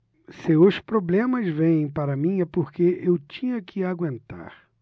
se os problemas vêm para mim é porque eu tinha que aguentar